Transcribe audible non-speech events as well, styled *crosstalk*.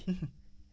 *hesitation* *hesitation*